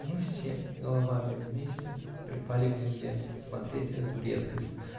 мы все, головами вместе, припали к земле -- смотреть эту редкость.